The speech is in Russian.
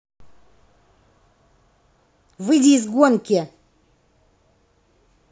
выйди из гонки